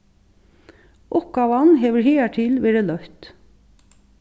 uppgávan hevur higartil verið løtt